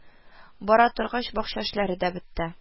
Бара торгач бакча эшләре дә бетте